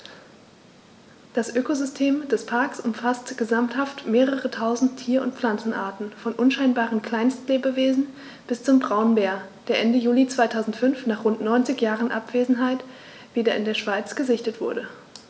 Das Ökosystem des Parks umfasst gesamthaft mehrere tausend Tier- und Pflanzenarten, von unscheinbaren Kleinstlebewesen bis zum Braunbär, der Ende Juli 2005, nach rund 90 Jahren Abwesenheit, wieder in der Schweiz gesichtet wurde.